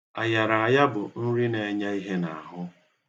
Ayaraaya bụ nri na-enye ihe n'ahụ.